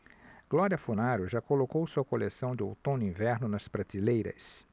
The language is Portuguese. glória funaro já colocou sua coleção de outono-inverno nas prateleiras